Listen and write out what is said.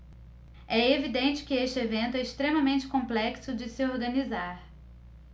é evidente que este evento é extremamente complexo de se organizar